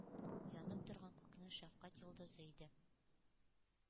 Янып торган күкнең шәфкать йолдызы иде.